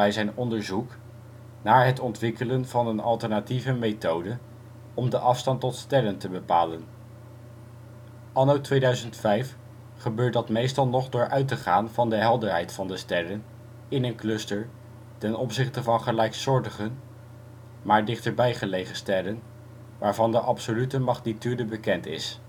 zijn onderzoek naar het ontwikkelen van een alternatieve methode om de afstand tot sterren te bepalen. Anno 2005 gebeurt dat meestal nog door uit te gaan van de helderheid van de sterren in een cluster ten opzichte van gelijksoortige, maar dichterbij gelegen sterren, waarvan de absolute magnitude bekend is